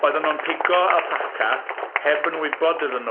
Oedden nhw'n pigio alpaca heb yn wybod iddyn nhw.